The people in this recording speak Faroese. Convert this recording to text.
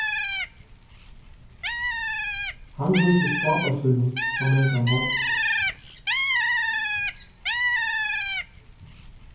hann líkist pápa sínum á mangan hátt